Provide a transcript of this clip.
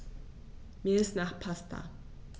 Mir ist nach Pasta.